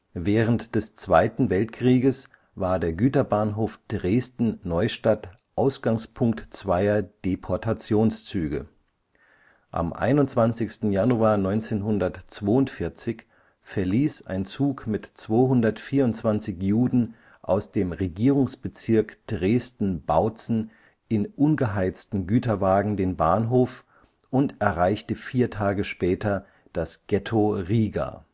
Während des Zweiten Weltkriegs war der Güterbahnhof Dresden-Neustadt Ausgangspunkt zweier Deportationszüge. Am 21. Januar 1942 verließ ein Zug mit 224 Juden aus dem Regierungsbezirk Dresden-Bautzen in ungeheizten Güterwagen den Bahnhof und erreichte vier Tage später das Ghetto Riga